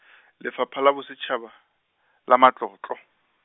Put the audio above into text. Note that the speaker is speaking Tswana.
Lefapha la Bosetšhaba, la Matlotlo.